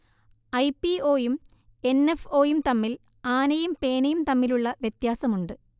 I P O യും N F O യും തമ്മിൽ ആനയും പേനയും തമ്മിലുള്ള വ്യത്യാസമുണ്ട്